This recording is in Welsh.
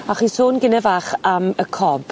A chi sôn gynne fach am y Cob.